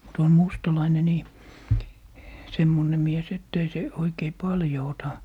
mutta on mustalainen niin semmoinen mies että ei se oikein paljon ota